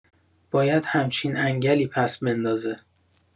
باید همچین انگلی پس بندازه